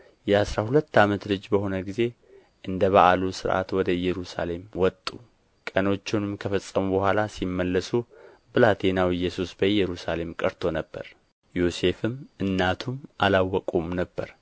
የአሥራ ሁለት ዓመት ልጅ በሆነ ጊዜ እንደ በዓሉ ሥርዓት ወደ ኢየሩሳሌም ወጡ ቀኖቹንም ከፈጸሙ በኋላ ሲመለሱ ብላቴናው ኢየሱስ በኢየሩሳሌም ቀርቶ ነበር ዮሴፍም እናቱም አላወቁም ነበር